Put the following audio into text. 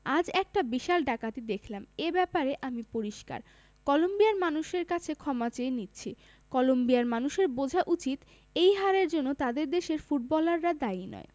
আজ একটা বিশাল ডাকাতি দেখলাম এ ব্যাপারে আমি পরিষ্কার কলম্বিয়ার মানুষের কাছে ক্ষমা চেয়ে নিচ্ছি কলম্বিয়ার মানুষের বোঝা উচিত এই হারের জন্য তাদের দেশের ফুটবলাররা দায়ী নয়